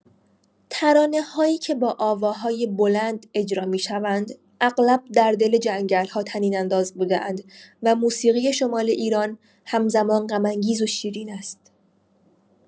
ترانه‌هایی که با آواهای بلند اجرا می‌شوند اغلب در دل جنگل‌ها طنین‌انداز بوده‌اند و موسیقی شمال ایران همزمان غم‌انگیز و شیرین است.